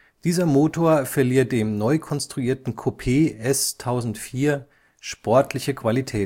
Dieser Motor verlieh dem neu konstruierten Coupé S1004 sportliche Qualitäten